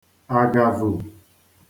àgàvu